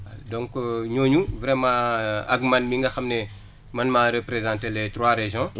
waa donc ñooñu vraiment ak man mi nga xam ne man maa représenté les trois régions